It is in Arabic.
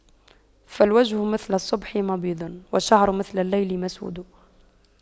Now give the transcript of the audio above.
فالوجه مثل الصبح مبيض والشعر مثل الليل مسود